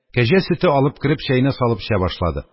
Кәҗә сөте алып кереп, чәенә салып эчә башлады.